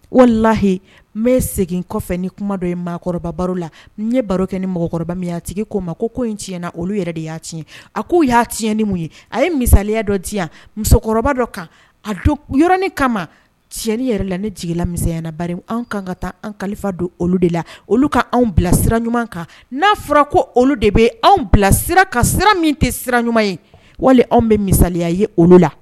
Wala layi n bɛ segin kɔfɛ ni kuma dɔ ye maakɔrɔba baro la ɲɛ baro kɛ ni mɔgɔkɔrɔba minya tigi k'o ma ko in tiɲɛna na olu yɛrɛ de y'a tiɲɛ a ko y'a tiɲɛn ni mun ye a ye misaya dɔ di musokɔrɔba dɔ kan a donɔrɔnin kama tiɲɛni yɛrɛ la ne jiginla misɛnyaanaba anw ka kan ka taa an kalifa don olu de la olu ka anw bila sira ɲuman kan n'a fɔra ko olu de bɛ anw bila sira ka sira min tɛ sira ɲuman ye walima anw bɛ misaya ye olu la